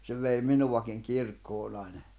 se vei minuakin kirkkoon aina